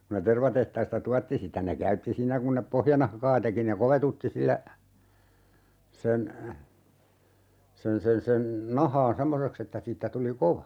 kun ne tervatehtaista tuotti sitä ne käytti siinä kun ne pohjanahkaa teki ne kovetutti sillä sen sen sen sen nahan semmoiseksi että siitä tuli kova